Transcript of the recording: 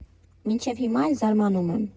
Մինչև հիմա էլ զարմանում եմ։